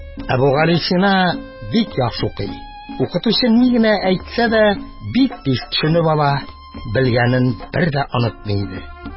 Әбүгалисина бик яхшы укый, укытучы ни генә әйтсә дә, бик тиз төшенеп ала, белгәнен бер дә онытмый иде.